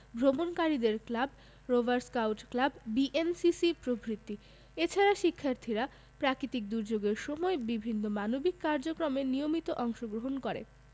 ভ্রমণকারীদের club rover scout club BNCC প্রভৃতি এছাড়া শিক্ষার্থীরা প্রাকৃতিক দূর্যোগের সময় বিভিন্ন মানবিক কার্যক্রমে নিয়মিত অংশগ্রহণ করে